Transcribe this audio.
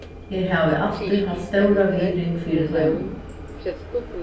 eg havi altíð havt stóra virðing fyri teimum